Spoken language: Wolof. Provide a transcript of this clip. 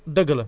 dëgg la